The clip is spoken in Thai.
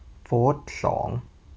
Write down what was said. โฟธสอง